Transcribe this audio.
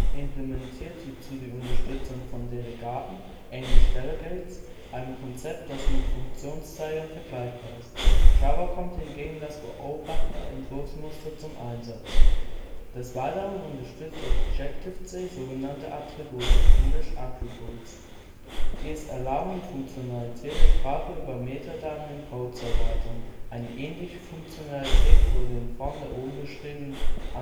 implementiert hierzu die Unterstützung von Delegaten (englisch delegates), einem Konzept, das mit Funktionszeigern vergleichbar ist. In Java kommt hingegen das Beobachter-Entwurfsmuster zum Einsatz. Des Weiteren unterstützt C# so genannte Attribute (attributes), die es erlauben, die Funktionalität der Sprache über Metadaten im Code zu erweitern (eine ähnliche Funktionalität wurde in Form der oben beschriebenen Annotations